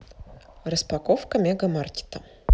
распаковка мегамаркета